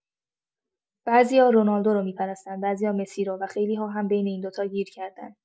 بعضیا رونالدو رو می‌پرستن، بعضیا مسی رو، و خیلی‌ها هم بین این دو تا گیر کردن.